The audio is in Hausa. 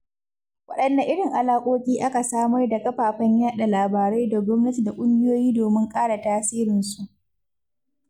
Waɗanne irin alaƙoƙi aka samar da kafafen yaɗa labarai da gwamnati da ƙungiyoyi domin ƙara tasirinsu?